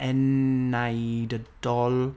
enaidydol?